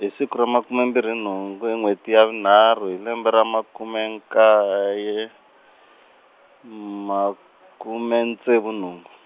hi siku ra makume mbirhi nhungu hi nwheti ya vunharhu hi lembe ra makume nkaye, makume ntsevu nhungu.